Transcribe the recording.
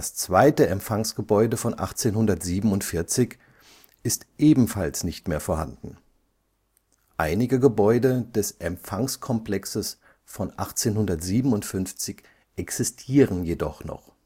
zweite Empfangsgebäude von 1847 ist ebenfalls nicht mehr vorhanden. Einige Gebäude des Empfangskomplexes von 1857 existieren jedoch noch